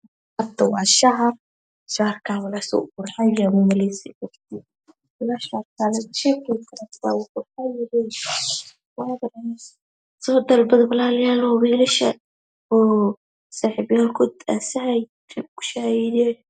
Meshan waxaa yalo shati